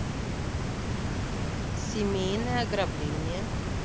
семейное ограбление